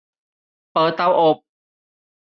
เปิดเตาอบ